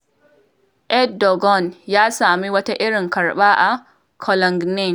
Erdogan ya sami wata irin karɓa a Cologne